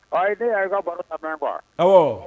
Wayi , ne a ye i ka baro lamɛn quoi